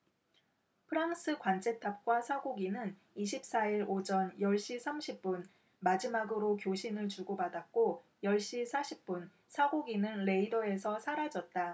프랑스 관제탑과 사고기는 이십 사 일 오전 열 시 삼십 분 마지막으로 교신을 주고받았고 열 시 사십 분 사고기는 레이더에서 사라졌다